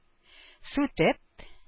Сүтеп